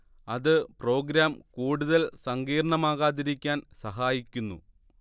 അത് പ്രോഗ്രാം കൂടുതൽ സങ്കീർണ്ണമാകാതിരിക്കാൻ സഹായിക്കുന്നു